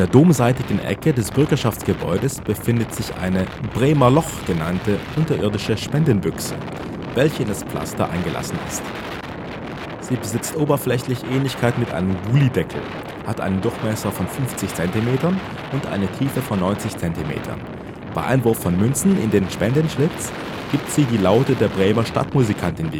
domseitigen Ecke des Bürgerschaftsgebäudes befindet sich eine „ Bremer Loch “genannte unterirdische Spendenbüchse, welche in das Pflaster eingelassen ist. Sie besitzt oberflächlich Ähnlichkeit mit einem Gullydeckel, hat einen Durchmesser von 50 Zentimetern und eine Tiefe von 90 Zentimetern. Bei Einwurf von Münzen in den Spendenschlitz gibt sie die Laute der Bremer Stadtmusikanten